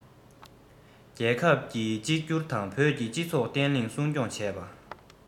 རྒྱལ ཁབ ཀྱི གཅིག གྱུར དང བོད ཀྱི སྤྱི ཚོགས བརྟན ལྷིང སྲུང སྐྱོང བྱས པ